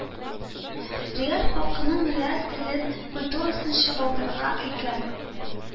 Реаль халыкның реаль телен, культурасын чагылдыра икән,